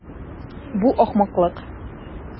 Бу ахмаклык.